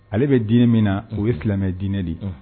Ale be diinɛ min na unhun o ye silamɛ diinɛ de ye unhun